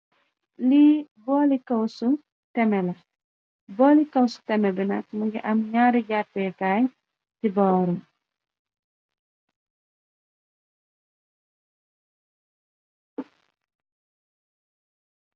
Lii booli kaw su teme la. Booli kaw su teme binag mungi am naari jàrpeekaay ci boorum.